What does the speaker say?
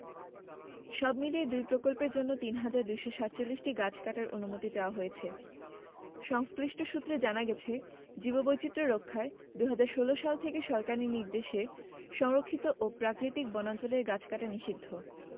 সবমিলিয়ে দুই প্রকল্পের জন্য ৩হাজার ২৪৭টি গাছ কাটার অনুমতি চাওয়া হয়েছে সংশ্লিষ্ট সূত্রে জানা গেছে জীববৈচিত্র্য রক্ষায় ২০১৬ সাল থেকে সরকারি নির্দেশে সংরক্ষিত ও প্রাকৃতিক বনাঞ্চলের গাছ কাটা নিষিদ্ধ